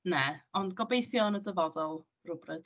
Na. Ond gobeithio yn y dyfodol rywbryd.